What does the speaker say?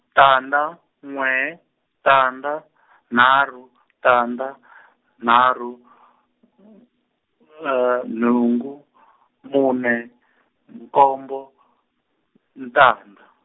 tandza, n'we, tandza , nharhu , tandza , nharhu , nhungu , mune, nkombo , tandza.